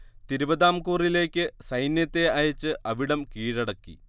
തിരുവിതാംകൂറിലേക്ക് സൈന്യത്തെ അയച്ച് അവിടം കീഴടക്കി